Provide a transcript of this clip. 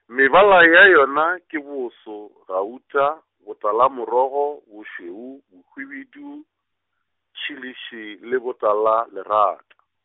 mebala ya yona ke boso, gauta, botalamorogo, bošweu, bohwibidu, tšhilisi le botalalerata.